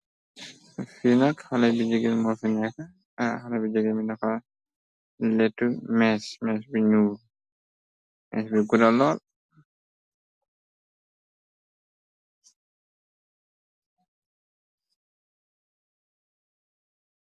Finak xala bi jegeen moo feneeka xalé bi jëgen minaxa létu mees mees bi ñuur mees bi gura lool.